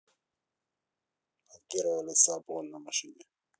от первого лица обгон на машине